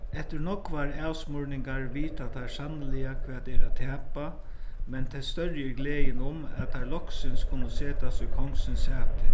eftir nógvar avsmurningar vita teir sanniliga hvat er at tapa men tess størri er gleðin um at teir loksins kunnu setast í kongsins sæti